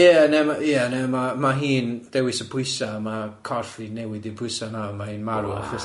Ia neu ma', ia neu ma', ma' hi'n dewis y pwysa a ma' corff hi'n newid i bwysa mawr. Ma' hi'n marw achos o...